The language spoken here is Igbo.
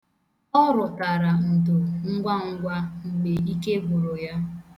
Ọ rụtara ndo ngwangwa mgbe ike gwụrụ ya.